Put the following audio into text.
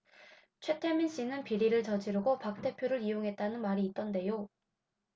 최태민씨는 비리를 저지르고 박 대표를 이용했다는 말이 있던데요